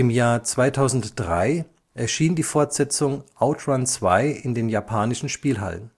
Jahr 2003 erschien die Fortsetzung OutRun 2 in den japanischen Spielhallen